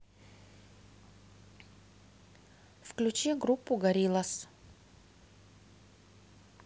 включи группу горилаз